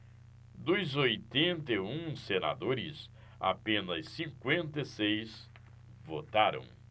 dos oitenta e um senadores apenas cinquenta e seis votaram